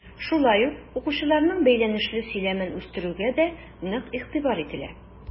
Шулай ук укучыларның бәйләнешле сөйләмен үстерүгә дә нык игътибар ителә.